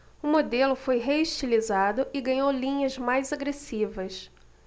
o modelo foi reestilizado e ganhou linhas mais agressivas